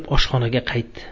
oshxonaga qaytdi